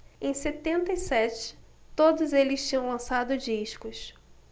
em setenta e sete todos eles tinham lançado discos